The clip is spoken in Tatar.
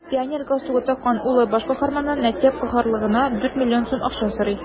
Пионер галстугы таккан улы баш каһарманнан мәктәп каравылына дүрт миллион сум акча сорый.